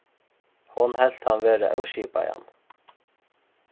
hon helt hann vera óskipaðan